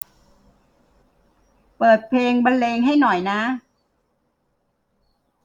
เปิดเพลงบรรเลงให้หน่อยนะ